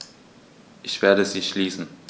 Ich werde sie schließen.